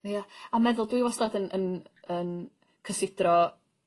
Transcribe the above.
Ie a meddwl dwi wastad yn yn yn cysidro